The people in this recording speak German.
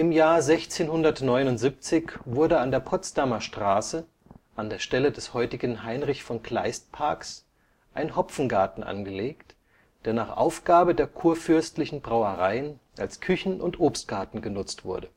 Jahr 1679 wurde an der Potsdamer Straße – an der Stelle des heutigen Heinrich-von-Kleist-Parks – ein Hopfengarten angelegt, der nach Aufgabe der kurfürstlichen Brauereien als Küchen - und Obstgarten genutzt wurde